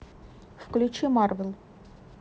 включи марвел